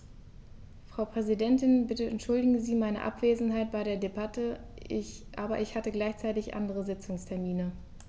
Frau Präsidentin, bitte entschuldigen Sie meine Abwesenheit bei der Debatte, aber ich hatte gleichzeitig andere Sitzungstermine.